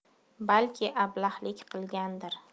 balki ablahlik qilgandir